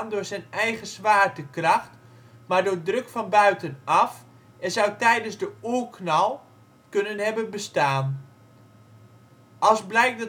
door zijn eigen zwaartekracht, maar door druk van buitenaf en zou tijdens de oerknal kunnen hebben bestaan. Als blijkt